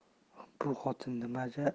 bu xotin nimaga